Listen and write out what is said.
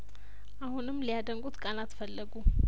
አሁንም ሊያደንቁት ቃላት ፈለጉ